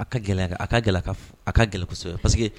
A ka gɛlɛya a ka a ka gɛlɛsɛbɛ pa que